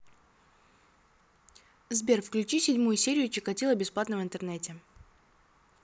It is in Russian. сбер включи седьмую серию чикатило бесплатно в интернете